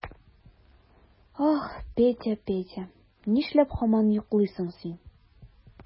Ах, Петя, Петя, нишләп һаман йоклыйсың син?